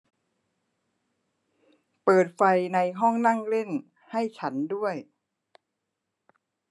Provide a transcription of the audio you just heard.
เปิดไฟในห้องนั่งเล่นให้ฉันด้วย